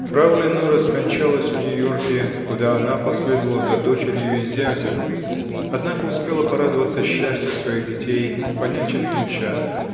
Фрау Леноре скончалась в Нью-Йорке, куда она последовала за дочерью и зятем, -- однако успела порадоваться счастью своих детей, понянчить внучат